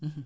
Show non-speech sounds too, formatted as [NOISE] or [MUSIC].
[HESITATION] [HESITATION]